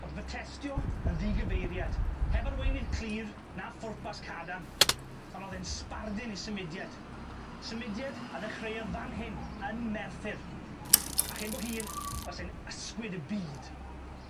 O'dd protestio yn ddigyfeiriad, heb arweinydd clir na phwrpas cadarn on' o'dd e'n sbardun i symudiad symudiad a ddechreuodd fan hyn, yn Merthyr a chyn bo hir, fasai'n ysgwyd y byd.